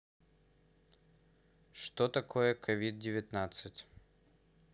что такое covid девятнадцать